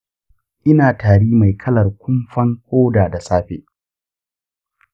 ina tari mai kalar kumfan hoda da safe.